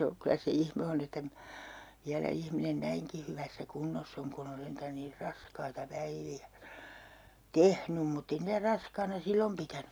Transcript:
se on kyllä se ihme on että minä vielä ihminen näinkin hyvässä kunnossa on kun on sentään niin raskaita päiviä tehnyt mutta ei niitä raskaana silloin pitänyt